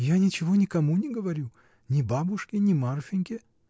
— Я ничего никому не говорю: ни бабушке, ни Марфиньке.